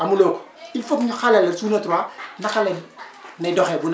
amuloo ko il foog ñu xàllal la Suuna 3 naka lay lay doxee bu